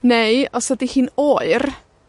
Neu os ydi hi'n oer,